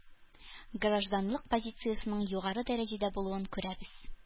Гражданлык позициясенең югары дәрәҗәдә булуын күрәбез